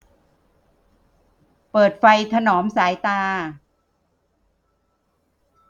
เปิดไฟถนอมสายตา